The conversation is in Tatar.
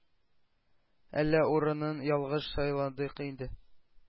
Әллә урынын ялгыш сайладык инде.